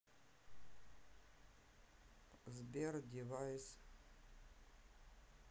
сбер девайс